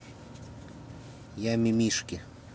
я мимимишки